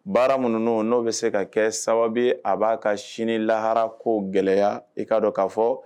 Baara minnu n'o bɛ se ka kɛ sababu a b'a ka sini lahara ko gɛlɛyaya i kaa don k kaa fɔ